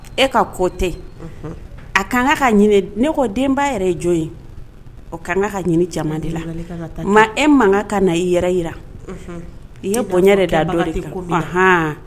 E ka ko tɛ a ka kan ka ka ne ko denba yɛrɛ ye jɔn ye o ka ka ka de la ma e mankan ka na i yɛrɛ i la i ye bonya yɛrɛ daan